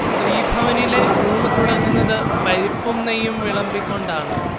ശ്രീഭവനിലെ ഊണു തുടങ്ങുന്നതു പരിപ്പും നെയ്യും വിളമ്പിക്കൊണ്ടാണ്